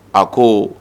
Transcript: A ko